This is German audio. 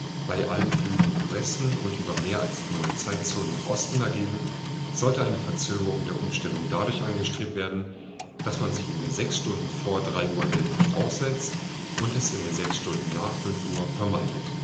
Bei allen Flügen nach Westen und über mehr als neun Zeitzonen nach Osten dagegen sollte eine Verzögerung der Umstellung dadurch angestrebt werden, dass man sich in den sechs Stunden vor 3 Uhr hellem Licht aussetzt und es in den sechs Stunden nach 5 Uhr vermeidet